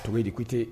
Torite